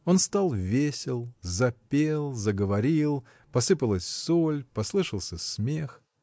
Он стал весел, запел, заговорил, посыпалась соль, послышался смех.